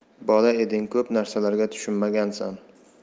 bola eding ko'p narsalarga tushunmagansan